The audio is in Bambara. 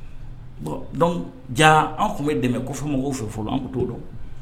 Donc ja an tun bɛ dɛmɛ ko fɛn mɔgɔw fɛ fɔlɔ an tun tɛ t'o dɔn